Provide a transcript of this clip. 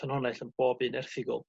ffynhonnell yn bob un erthygl.